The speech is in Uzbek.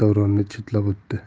davronni chetlab o'tdi